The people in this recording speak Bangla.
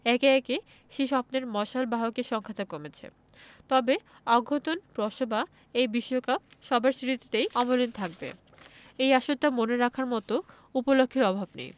একে একে সেই স্বপ্নের মশালবাহকের সংখ্যাটা কমেছে তবে অঘটনপ্রসবা এই বিশ্বকাপ সবার স্মৃতিতেই অমলিন থাকবে এই আসরটা মনে রাখার মতো উপলক্ষের অভাব নেই